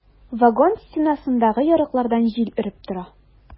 Вагон стенасындагы ярыклардан җил өреп тора.